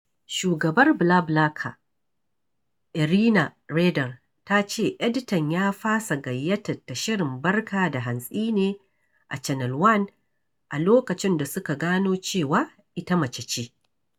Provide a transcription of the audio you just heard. Shugabar BlaBlaCar, Irina Reyder ta ce editan ya fasa gayyatar ta shirin Barka da Hantsi ne a Channel One a lokacin da suka gano cewa ita mace ce.